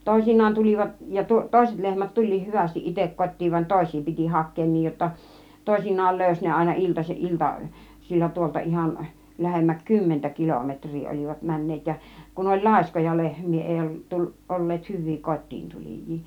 toisinaan tulivat ja toiset lehmät tuli hyvästi itse kotiin vaan toisia piti hakea niin jotta toisinaan löysi ne aina -- iltasilla tuolta ihan lähemmäs kymmentä kilometriä olivat menneet ja kun oli laiskoja lehmiä ei - ei olleet hyviä kotiin tulijoita